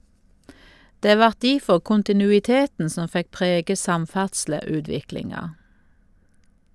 Det vart difor kontinuiteten som fekk prege samferdsleutviklinga.